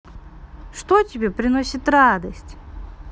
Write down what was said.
что тебе приносит радость